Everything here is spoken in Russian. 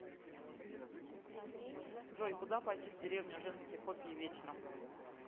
джой куда пойти в деревню женские копии вечером